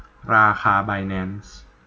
ราคาไบแนนซ์